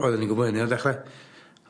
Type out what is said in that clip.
oeddwn i'n gwbo hynny o'r dechre.